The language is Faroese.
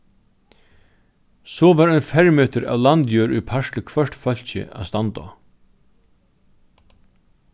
so var ein fermetur av landjørð í part til hvørt fólkið at standa á